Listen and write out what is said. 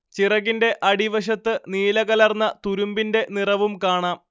ചിറകിന്റെ അടിവശത്ത് നീലകലർന്ന തുരുമ്പിന്റെ നിറവും കാണാം